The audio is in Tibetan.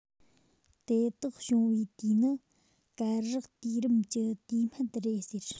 དེ དག བྱུང བའི དུས ནི དཀར རག དུས རིམ གྱི དུས སྨད རེད ཟེར